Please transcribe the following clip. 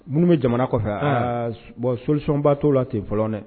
Minnu bɛ jamana kɔfɛ aa bɔn solisɔnbatɔ la ten fɔlɔ dɛ